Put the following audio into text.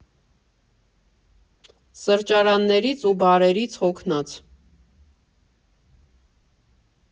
Սրճարաններից ու բարերից հոգնած։